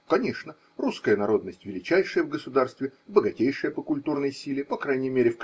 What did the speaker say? Конечно, русская народность – величайшая в государстве, богатейшая по культурной силе – по крайней мере.